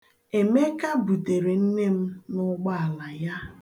Emeka butere nne m n'ụgbọala ya